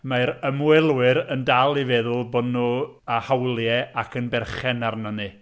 Mae'r ymwelwyr yn dal i feddwl bod nhw â hawliau ac yn berchen arno ni.